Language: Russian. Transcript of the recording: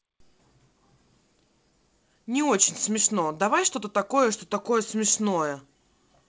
не очень смешно давай что то такое что такое смешное